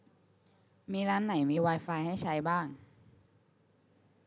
มีร้านไหนมีไวไฟให้ใช้บ้าง